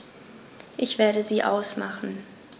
Ich werde sie ausmachen.